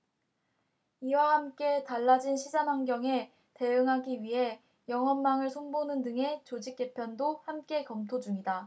이와 함께 달라진 시장환경에 대응하기 위해 영업망을 손보는 등의 조직 개편도 함께 검토 중이다